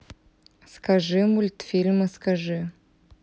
скажи мультфильмы скажи